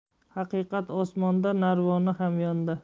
haqiqat osmonda narvoni hamyonda